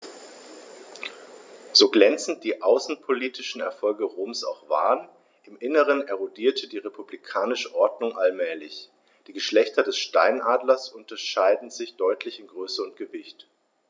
So glänzend die außenpolitischen Erfolge Roms auch waren: Im Inneren erodierte die republikanische Ordnung allmählich. Die Geschlechter des Steinadlers unterscheiden sich deutlich in Größe und Gewicht.